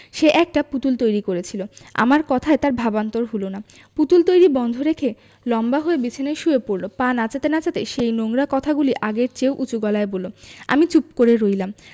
সে একটা পুতুল তৈরি করেছিলো আমার কথায় তার ভাবান্তর হলো না পুতুল তৈরী বন্ধ রেখে লম্বা হয়ে বিছানায় শুয়ে পড়লো পা নাচাতে নাচাতে সেই নোংরা কথাগুলি আগের চেয়েও উচু গলায় বললো আমি চুপ করে রইলাম